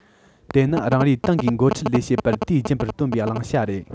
དེ ནི རང རེའི ཏང གིས འགོ ཁྲིད ལས བྱེད པར དུས རྒྱུན པར བཏོན པའི བླང བྱ རེད